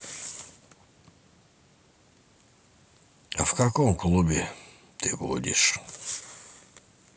а в каком клубе ты будешь